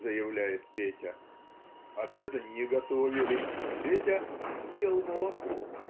заявляет Петя), обеда не готовили, а Петя "ел молоко"